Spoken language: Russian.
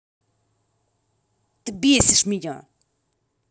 ты бесишь меня